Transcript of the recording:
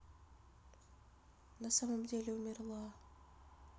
на самом деле умерла